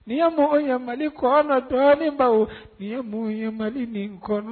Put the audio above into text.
Nini ye mun ye mali kɔnɔ dɔɔninbaw nin ye mun ye mali nin kɔnɔ